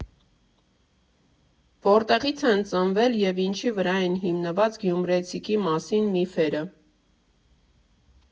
Որտեղի՞ց են ծնվել և ինչի վրա են հիմնված գյումրեցիքի մասին միֆերը.